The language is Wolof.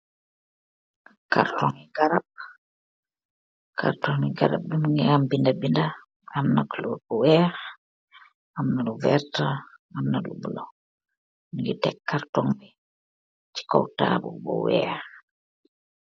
karonn rab kartonni garab bimu ngi am binda binda amna clor bu weex amna lu verta amna lu bulo ngi teg kartoŋi ci kow taabu bu weex